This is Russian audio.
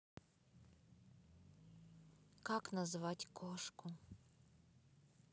как назвать кошку